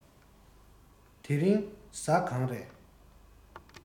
དེ རིང གཟའ གང རས